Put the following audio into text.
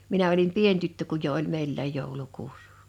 minä olin pieni tyttö kun jo oli meilläkin joulukuusi